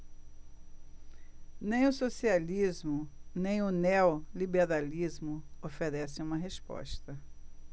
nem o socialismo nem o neoliberalismo oferecem uma resposta